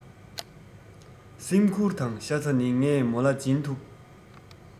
སེམས ཁུར དང ཤ ཚ ནི ངས མོ ལ སྦྱིན ཐུབ